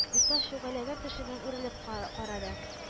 Мифтах чүгәләгән төшеннән үрелеп ка карады